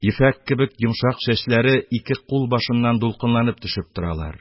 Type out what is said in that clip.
Ефәк кебек йомшак чәчләре ике кулбашыннан дулкынланып төшеп торалар.